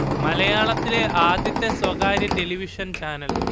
മലയാളത്തിലെ ആദ്യത്തെ സ്വകാര്യ ടെലിവിഷൻ ചാനൽ